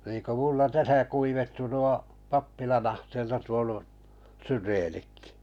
niin kun minulla tässä kuivettui nuo pappilan ahteella tuonut syreenitkin